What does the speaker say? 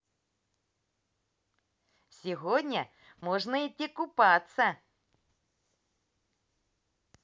сегодня можно идти купаться